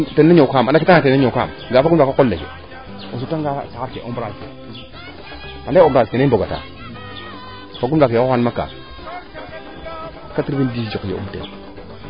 tena ñoow ka xam anda ke tax na tena ñoow ka xam ga'a fagun faak o qol leeke o suta nga taxar ke ande ne mboga taa fagun faak ye xoxan ma kaaf quatre vingt dix joq sombum ten